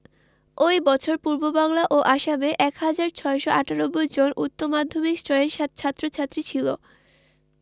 ওই বছর পূর্ববাংলা ও আসামে ১ হাজার ৬৯৮ জন উচ্চ মাধ্যমিক স্তরের ছাত্র ছাত্রী ছিল